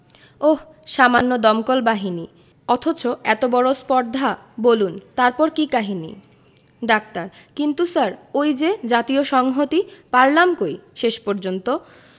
ওহ্ সামান্য দমকল বাহিনী অথচ এত বড় স্পর্ধা বুলন তারপর কি কাহিনী ডাক্তার কিন্তু স্যার ওই যে জাতীয় সংহতি পারলাম কই শেষ পর্যন্ত